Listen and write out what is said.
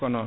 ko non